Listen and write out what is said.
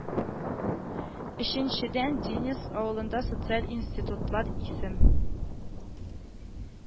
Өченчедән, Динес авылында социаль институтлар исем